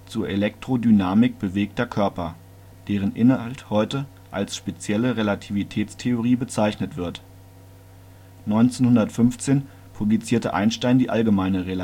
Zur Elektrodynamik bewegter Körper, deren Inhalt heute als spezielle Relativitätstheorie bezeichnet wird. 1915 publizierte Einstein die allgemeine